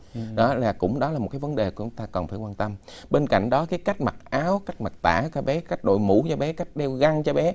đó là cũng đó là một cái vấn đề của chúng ta cần phải quan tâm bên cạnh đó các cách mặc áo cách mặc tã cho bé cách đội mũ cho bé cách đeo găng cho bé